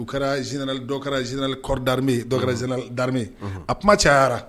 U kɛra zinali dɔw kɛra ziinali kɔrɔɔridirimi dɔw kɛra zinadirimemi a kuma cayayara